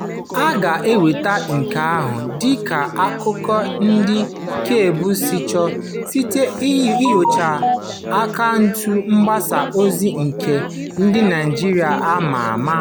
A ga-enweta nke a, dị ka akụkọ ndị Cable si kọọ, site n'inyocha akaụntụ mgbasa ozi nke "ndị Naịjirịa a ma ama".